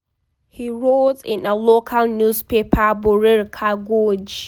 He wrote in a local newspaper Bhorer Kagoj: